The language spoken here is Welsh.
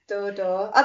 do do